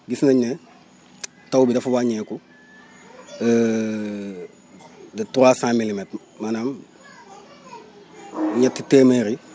gis nañ ne taw bi dafa wàññeeku de trois cent milimètres maanaam ñetti téeméer i